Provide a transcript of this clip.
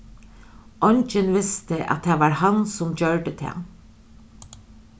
eingin visti at tað var hann sum gjørdi tað